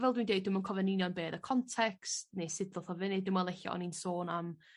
fel dwi'n deud dwi'm yn cofio'n union be' odd y context neu sut ddoth o fyny dwi me'wl ella o'n i'n sôn am